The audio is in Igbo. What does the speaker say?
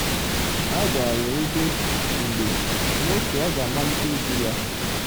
A gwara ya ebe , mgbe , na otu ọ ga-amalite igwu ya.